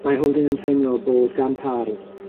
Mae Holden yn teimlo bod gan Carl